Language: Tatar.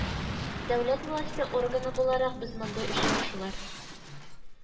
Дәүләт власте органы буларак, без мондый очрашулар